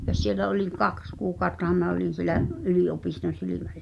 ja siellä olin kaksi kuukauttahan minä olin siellä yliopiston silmäklinikalla